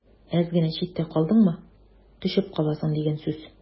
Әз генә читтә калдыңмы – төшеп каласың дигән сүз.